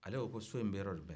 ale ko so in bɛ yɔrɔ min